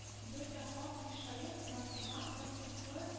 Бер якка кыйшаеп бара торган бер катлы